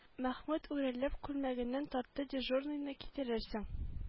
Мәхмүт үрелеп күлмәгеннән тартты дежурныйны китерерсең